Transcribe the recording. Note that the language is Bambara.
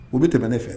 U bɛ tɛmɛɛnaen ne fɛ